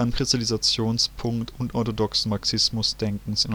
Kristallisationspunkt unorthodoxen Marxismusdenkens